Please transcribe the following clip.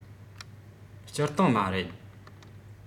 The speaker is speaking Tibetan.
སྤྱིར བཏང མ རེད